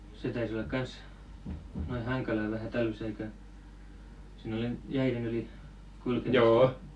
se taisi olla kanssa noin hankalaa vähän talvisaika siinä oli jäiden yli kulkemista